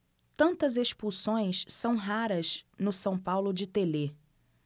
tantas expulsões são raras no são paulo de telê